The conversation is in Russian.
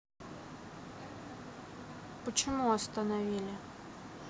почему остановили